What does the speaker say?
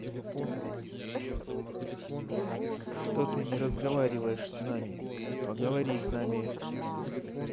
что ты не разговариваешь с нами поговори с нами